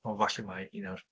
O, falle mae hi nawr.